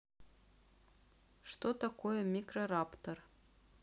что такое микрораптор